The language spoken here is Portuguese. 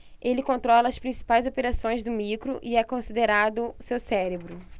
ele controla as principais operações do micro e é considerado seu cérebro